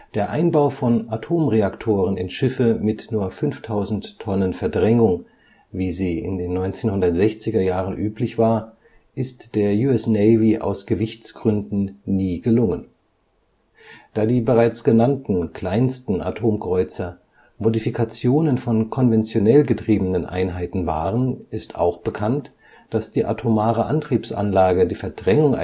Der Einbau von Atomreaktoren in Schiffe mit nur 5.000 Tonnen Verdrängung, wie sie in den 1960er Jahren üblich war, ist der US Navy aus Gewichtsgründen nie gelungen. Da die bereits genannten kleinsten Atomkreuzer Modifikationen von konventionell getriebenen Einheiten waren, ist auch bekannt, dass die atomare Antriebsanlage die Verdrängung